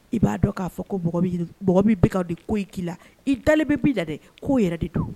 I b'a dɔn k'a fɔ ko bɛ de ko k'i la i dalen bɛ bi da dɛ k'o yɛrɛ de don